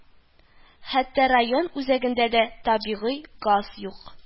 Хәтта район үзәгендә дә табигый газ юк